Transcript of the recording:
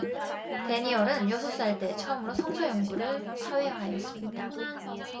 대니얼은 여섯 살 때 처음으로 성서 연구를 사회하였습니다